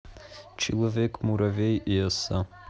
человек муравей и оса